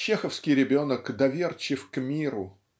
Чеховский ребенок доверчив к миру.